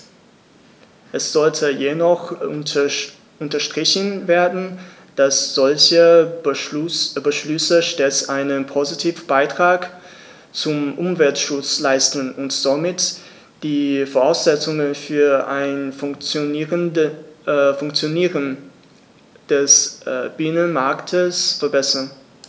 Es sollte jedoch unterstrichen werden, dass solche Beschlüsse stets einen positiven Beitrag zum Umweltschutz leisten und somit die Voraussetzungen für ein Funktionieren des Binnenmarktes verbessern.